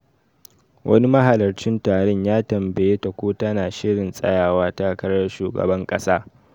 Wani mahalarcin taron ya tambaye ta ko tana shirin tsayawa takarar shugaban kasa.